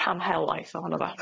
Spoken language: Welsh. Rhan helaeth ohono fo.